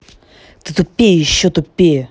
ты тупее еще тупее